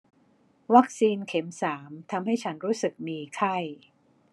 วัคซีนเข็มสามทำให้ฉันรู้สึกมีไข้